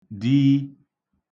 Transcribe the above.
dii